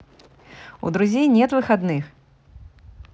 у друзей нет выходных